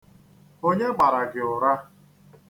Onye mara gị ụra?